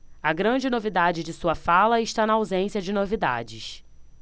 a grande novidade de sua fala está na ausência de novidades